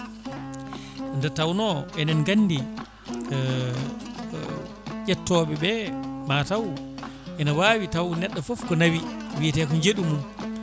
nde tawno enen gandi ƴettoɓeɓe mataw ene wawi tawa neɗɗo foof ko nawi wiiyete ko jeeɗu mum